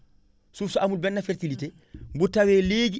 suuf su amul benn fertilité bu tawee léegi